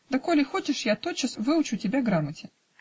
Да коли хочешь, я тотчас выучу тебя грамоте".